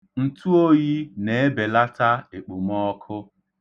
Ntụoyi na-ebelata ekpomọọkụ.